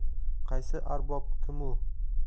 qaysi arbob kim u